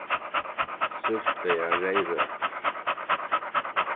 súltaðar reyðrøtur